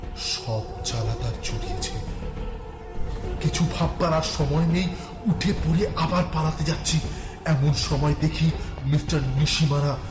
সব জ্বালা তার জুড়িয়েছে কিছু ভাববার আর সময় নেই উঠে পড়ে আবার পালাতে যাচ্ছি এমন সময় দেখি মিস্টার নিশি মারা